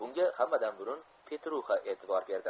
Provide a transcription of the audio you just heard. bunga hammadan burun petruxa e'tibor berdi